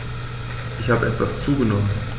Ich habe etwas zugenommen